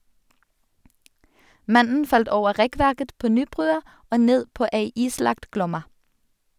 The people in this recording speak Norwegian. Mannen falt over rekkverket på Nybrua og ned på ei islagt Glomma.